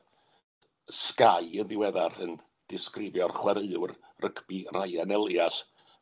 Sky yn ddiweddar yn disgrifio'r chwaraewr rygbi Ryan Elias